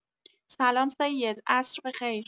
سلام سید عصر بخیر